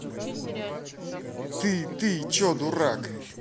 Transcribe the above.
ты ты че дурак